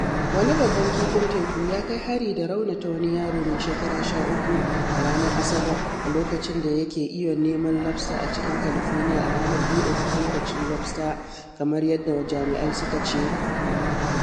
Wani babban kifin teku ya kai hari da raunata wani yaro mai shekaru 13 a ranar Asabar a lokacin da yake iyon neman losbter a cikin California a ranar buɗe lokacin lobster, kamar yadda jami’ai suka ce.